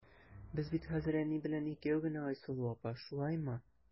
Без бит хәзер әни белән икәү генә, Айсылу апа, шулаймы?